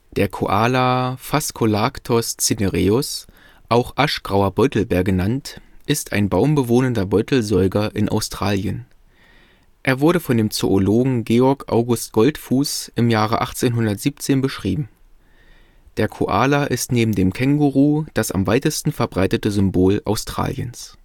Der Koala (Phascolarctos cinereus), auch Aschgrauer Beutelbär genannt, ist ein baumbewohnender Beutelsäuger in Australien. Er wurde von dem Zoologen Georg August Goldfuß im Jahre 1817 beschrieben. Der Koala ist neben dem Känguru das am weitesten verbreitete Symbol Australiens